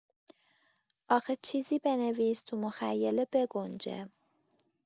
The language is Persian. آخه چیزی بنویس تو مخیله بگنجه